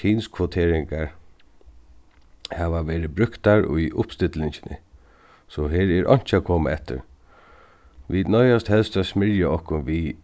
kynskvoteringar hava verið brúktar í uppstillingini so her er einki at koma eftir vit noyðast helst at smyrja okkum við